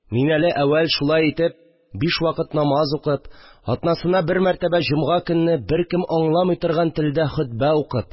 Мин әле, әүвәл, шулай итеп – биш вакыт намаз укып, атнасына бер мәртәбә, җомга көнне, беркем аңламый торган телдә хотбә укып